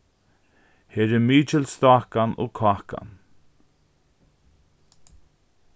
her er mikil stákan og kákan